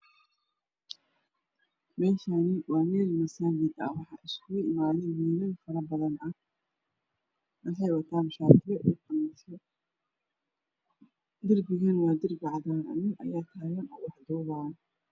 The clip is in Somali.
Meeshaan waa meel masaajid ah waxaa iskugu imaaday wiilal badan waxay wataan shaatiyo iyo qamiisyo. Darbiguna waa cadaan nin ayaa taagan oo wax duubayo.